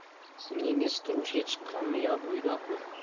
singlingiz turmushga chiqqanmi yo bo'ydoqmi